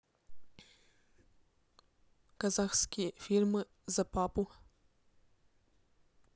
казахские фильмы за папу